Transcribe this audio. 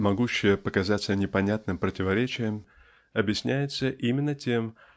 могущее показаться непонятным противоречием объясняется именно тем